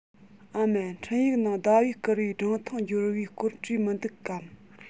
ཨ མ འཕྲིན ཡིག ནང ཟླ བས བསྐུར བའི སྒྲུང ཐུང འབྱོར བའི སྐོར བྲིས མི འདུག གམ